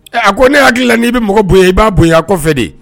Ɛ a ko ne hakili la n'i bɛ mɔgɔ bonyayan i b'a bonyayan a kɔ fɛ de